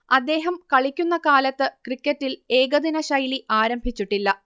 അദ്ദേഹം കളിക്കുന്ന കാലത്ത് ക്രിക്കറ്റിൽ ഏകദിനശൈലി ആരംഭിച്ചിട്ടില്ല